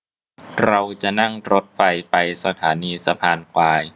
เราจะนั่งรถไฟไปสถานีสะพานควาย